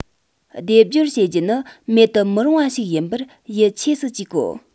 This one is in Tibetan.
སྡེབ སྦྱོར བྱེད རྒྱུ ནི མེད དུ མི རུང བ ཞིག ཡིན པར ཡིད ཆེས སུ བཅུག གོ